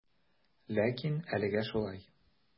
Ләкин әлегә шулай.